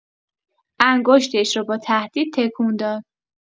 انگشتش رو با تهدید تکون داد.